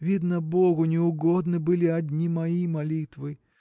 – Видно, богу не угодны были одни мои молитвы.